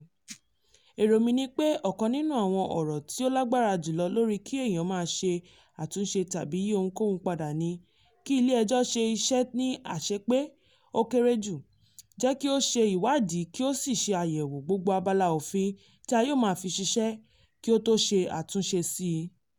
Èrò mi ni pé ọ̀kan nínú àwọn ọ̀rọ̀ tí ó lágbára jùlọ lórí kí èèyàn má ṣe àtúnṣe tàbí yí ohunkóhun padà ni, kí ilé-ẹjọ́ ṣe iṣẹ́ ní àṣepé ó kéré jù, jẹ́ kí ó ṣe ìwádìí kí ó sì ṣe àyẹ̀wò gbogbo abala òfin tí a yóò máa fi ṣiṣẹ́, kí ó tó ṣe àtúnṣe síi.